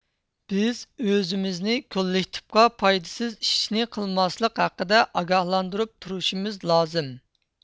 بىز ئۆزىمىزنى كوللېكتىپقا پايدىسىز ئىشنى قىلماسلىق ھەققىدە ئاگاھلاندۇرۇپ تۇرشىمىز لازىم